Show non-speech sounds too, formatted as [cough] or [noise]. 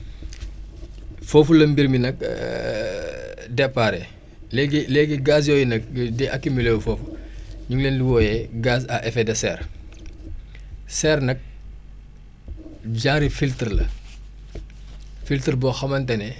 foofu la mbir mi nag [hesitation] départ léegi léegi gaz yooyu nag di accumulé wu foofu [noise] ñu ngi leen di wooyee gaz à effet de serre [noise] serre nag genre filtre la filtre boo xamante ne